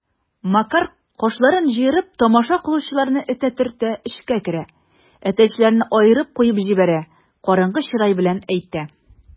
Макар, кашларын җыерып, тамаша кылучыларны этә-төртә эчкә керә, әтәчләрне аерып куып җибәрә, караңгы чырай белән әйтә: